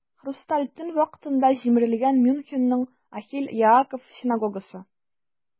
"хрусталь төн" вакытында җимерелгән мюнхенның "охель яаков" синагогасы.